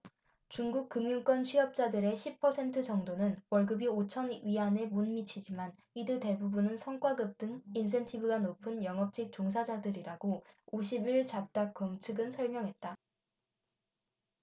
중국 금융권 취업자들의 십 퍼센트 정도는 월급이 오천 위안에 못 미치지만 이들 대부분은 성과급 등 인센티브가 높은 영업직 종사자들이라고 오십 일 잡닷컴 측은 설명했다